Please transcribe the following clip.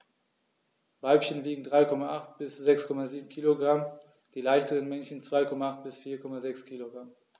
Weibchen wiegen 3,8 bis 6,7 kg, die leichteren Männchen 2,8 bis 4,6 kg.